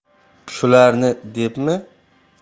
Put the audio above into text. shularni debmi